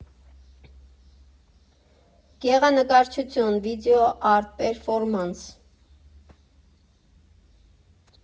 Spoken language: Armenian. Գեղանկարչություն, վիդեոարտ, պերֆորմանս։